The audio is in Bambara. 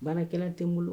Baarakɛla tɛ n bolo